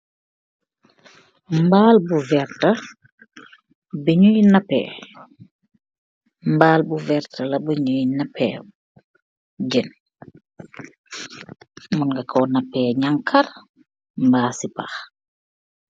Mbaal bu verta, bunyui napeh, mbaal bu verta la bu nyui napeh jen. Munga ko napeh nyangkar mba sipah.